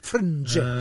Ffrindie.